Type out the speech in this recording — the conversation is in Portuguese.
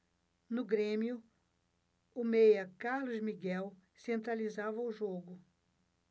no grêmio o meia carlos miguel centralizava o jogo